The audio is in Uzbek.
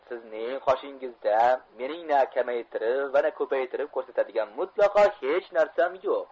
sizning qoshingizda mening na kamaytirib va na ko'paytirib ko'rsatadigan mutlaqo xech narsam yo'q